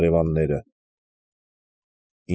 Հարևանները։